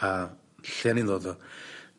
A lle o'n i'n ddod o.